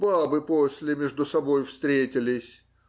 Бабы после между собою встретились.